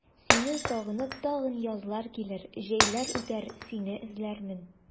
Сине сагынып тагын язлар килер, җәйләр үтәр, сине эзләрмен.